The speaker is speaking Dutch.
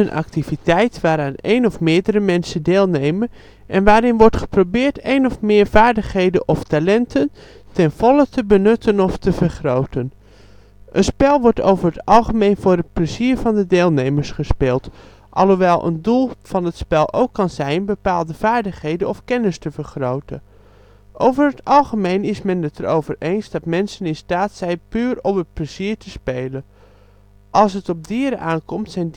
activiteit waaraan één of meerdere mensen deelnemen en waarin wordt geprobeerd één of meer vaardigheden of talenten ten volle te benutten of te vergroten. Een spel wordt over het algemeen voor het plezier van de deelnemers gespeeld, alhoewel een doel van het spel ook kan zijn bepaalde vaardigheden of kennis te vergroten. Over het algemeen is men het er over eens dat mensen in staat zijn puur om het plezier te spelen; als het op dieren aankomt zijn